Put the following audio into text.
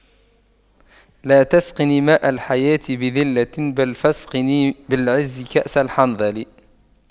لا تسقني ماء الحياة بذلة بل فاسقني بالعز كأس الحنظل